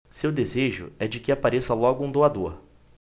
seu desejo é de que apareça logo um doador